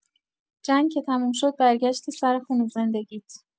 جنگ که تموم شد برگشتی سر خونه زندگیت.